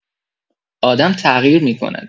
آدم تغییر می‌کند.